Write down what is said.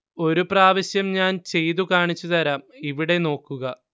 ഒരു പ്രാവശ്യം ഞാന്‍ ചെയ്തു കാണിച്ചു തരാം ഇവിടെ നോക്കുക